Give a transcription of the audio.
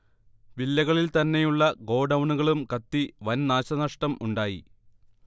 വില്ലകളിൽ തന്നെയുള്ള ഗോഡൗണുകളും കത്തി വൻ നാശന്ഷടം ഉണ്ടായി